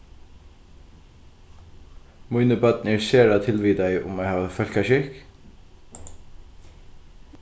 míni børn eru sera tilvitaði um at hava fólkaskikk